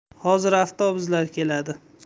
hozir avtobuslar keladi